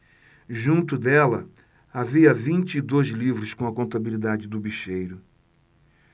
junto dela havia vinte e dois livros com a contabilidade do bicheiro